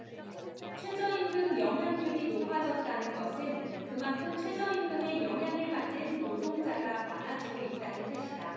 최저임금 영향률이 높아졌다는 것은 그만큼 최저임금의 영향을 받는 노동자가 많아지고 있다는 뜻이다